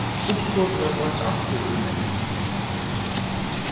uppskotið var beint aftur í nevnd